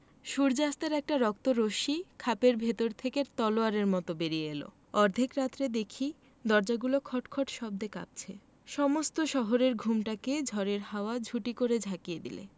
সূর্য্যাস্তের একটা রক্ত রশ্মি খাপের ভেতর থেকে তলোয়ারের মত বেরিয়ে এল অর্ধেক রাত্রে দেখি দরজাগুলো খটখট শব্দে কাঁপছে সমস্ত শহরের ঘুমটাকে ঝড়ের হাওয়া ঝুঁটি করে ঝাঁকিয়ে দিলে